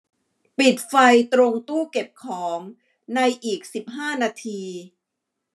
ปิดไฟตรงตู้เก็บของในอีกสิบห้านาที